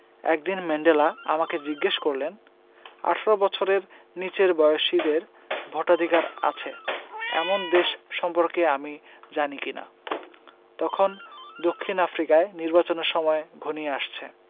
একদিন ম্যান্ডেলা আমাকে জিজ্ঞেস করলেন ১৮ বছরের নিচের বয়সীদের ভোটাধিকার আছে এমন দেশ সম্পর্কে আমি জানি কি না তখন দক্ষিণ আফ্রিকায় নির্বাচনের সময় ঘনিয়ে আসছে